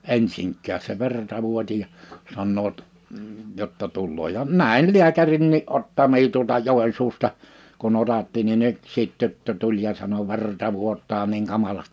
ensinkään se verta vuoti ja sanovat jotta tulee ja näin lääkärinkin ottamia tuolta Joensuusta kun otatti niin yksi tyttö tuli ja sanoi verta vuotaa niin kamalasti